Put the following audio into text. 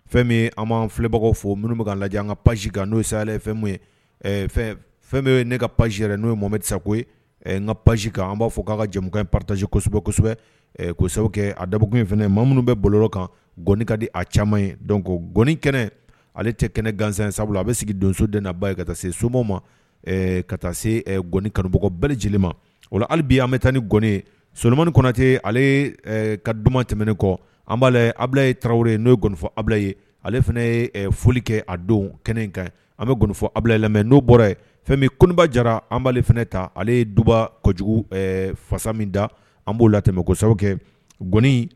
Fɛn min an'an filɛbagaw fɔ minnu bɛ lajɛ an ka pasi n'o ye saya ye fɛn ye fɛn bɛ ye ne ka pasi yɛrɛ n' ye mamame sa koyi n ka pasi kan an b'a k'an ka jɛmu patazsi kosɛbɛsɛbɛsɛbɛ kɛ a dak in ye ma minnu bɛ bolo kan gɔni ka di a caman ye gɔni kɛnɛ ale tɛ kɛnɛ gansan sa a bɛ sigi donso dennaba ye ka se sobo ma ka goni kanubɔkɔ bɛɛ jeli ma hali bi an bɛ taa ni gɔni somaniin kɔnɔnatɛ ale ka don tɛmɛnen kɔ an b'a aye tarawele ye n'o ye nkfɔ abu ye ale fana foli kɛ a don kɛnɛ in ka an bɛ gfɔ abuyi lamɛn n'o bɔra ye fɛn koba jara an b'ale fana ta ale ye duba kojugu fasa min da an b'o lasa gɔni